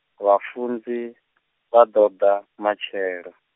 vhafunzi, vha ḓo da, matshelo.